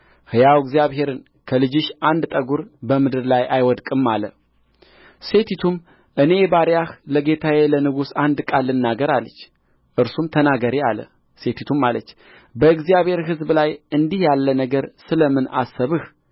ሕያው እግዚአብሔርን ከልጅሽ አንድ ጠጕር በምድር ላይ አይወድቅም አለ ሴቲቱም እኔ ባሪያህ ለጌታዬ ለንጉሥ አንድ ቃል ልናገር አለች እርሱም ተናገሪ አለ ሴቲቱም አለች በእግዚአብሔር ሕዝብ ላይ እንዲህ ያለ ነገር ስለ ምን አሰብህ